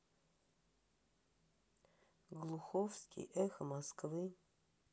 глуховский эхо москвы